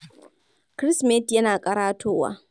Kirsimeti yana ƙaratowa.